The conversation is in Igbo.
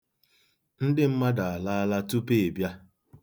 Ndị mmadụ alaala tupu ị abịa.